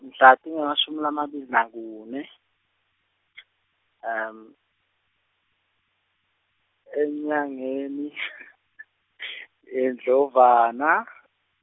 mhla tingemashumi lamabili nakune , enyangeni , yeNdlovana.